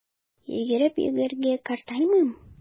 Йөгереп йөргәнгә картаймыйм!